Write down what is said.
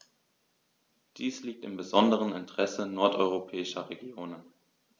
Dies liegt im besonderen Interesse nordeuropäischer Regionen.